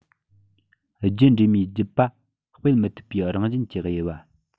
རྒྱུད འདྲེས མའི རྒྱུད པ སྤེལ མི ཐུབ པའི རང བཞིན གྱི དབྱེ བ